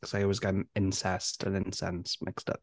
I always get incest and incense mixed up.